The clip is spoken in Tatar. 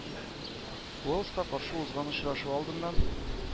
Уэльска каршы узган очрашу алдыннан